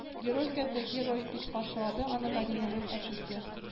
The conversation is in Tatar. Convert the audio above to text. – герой керде, герой, – дип каршылады аны гадиләнең әтисе